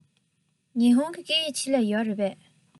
ཉི ཧོང གི སྐད ཡིག ཆེད ལས ཡོད རེད པས